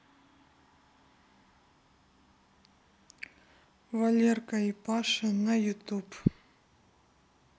валерка и паша на ютюб